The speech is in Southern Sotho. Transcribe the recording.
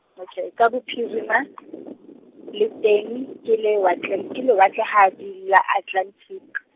okay, ka bophirima, le teng ke lewatle, ke lewatlehadi la Atlelantiki.